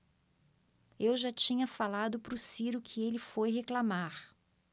eu já tinha falado pro ciro que ele foi reclamar